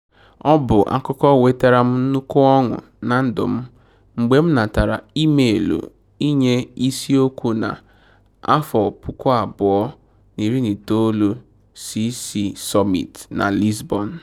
Ọ bụ akụkọ wetara m nnukwu ọṅụ ná ndụ m mgbe m natara imeelụ inye isi okwu na 2019 CC Summit na Lisbon...